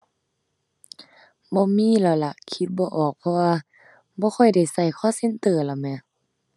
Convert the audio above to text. บ่มีแล้วล่ะ คิดบ่ออก เพราะว่าบ่ค่อยได้ใช้ call center แล้วแหม